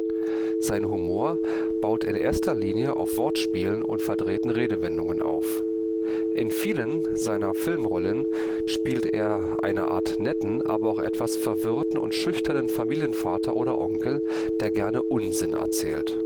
Sein Humor baut in erster Linie auf Wortspielen und verdrehten Redewendungen auf. In vielen seiner Filmrollen spielt er eine Art netten, aber etwas verwirrten und schüchternen Familienvater oder Onkel, der gerne Unsinn erzählt